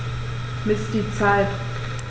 Miss die Zeit.